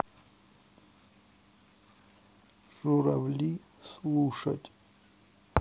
журавли слушать